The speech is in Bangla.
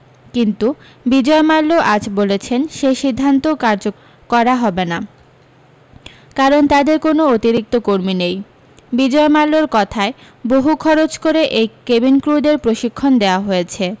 কিন্তু বিজয় মাল্য আজ বলেছেন সেই সিদ্ধান্ত কার্য করা হবে না কারণ তাঁদের কোনও অতিরিক্ত কর্মী নেই বিজয় মাল্যর কথায় বহু খরচ করে এই কেবিন ক্রূ দের প্রশিক্ষণ দেওয়া হয়েছে